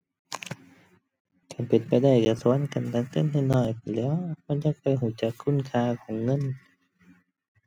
คันเป็นไปได้ก็สอนกันตั้งแต่น้อยน้อยพู้นแหล้ว มันจั่งได้ก็จักคุณค่าของเงิน